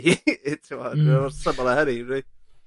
t'mod... Hmm. ... ma' mor syml â hynny rwy...